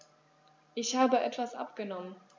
Ich habe etwas abgenommen.